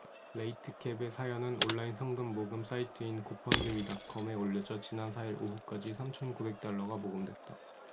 레이트켑의 사연은 온라인 성금 모금 사이트인 고펀드미닷컴에 올려져 지난 사 일 오후까지 삼 천 구백 달러가 모금됐다